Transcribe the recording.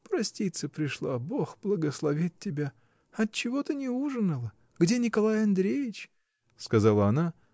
Проститься пришла — Бог благословит тебя! Отчего ты не ужинала? Где Николай Андреич? — сказала она.